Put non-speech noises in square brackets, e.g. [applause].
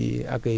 [hesitation] [hesitation]